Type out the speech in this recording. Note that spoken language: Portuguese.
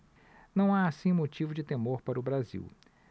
não há assim motivo de temor para o brasil